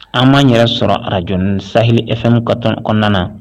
An m'an yɛrɛ sɔrɔ ararajni sali efɛnmu ka tɔn kɔnɔnaɔn na